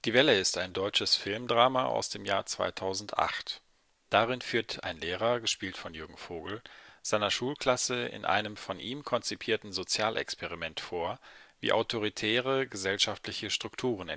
Welle ist ein deutsches Filmdrama aus dem Jahr 2008. Darin führt ein Lehrer, gespielt von Jürgen Vogel, seiner Schulklasse in einem von ihm konzipierten Sozialexperiment vor, wie autoritäre gesellschaftliche Strukturen